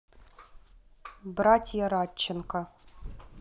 братья радченко